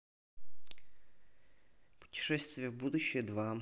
путешествие в будущее два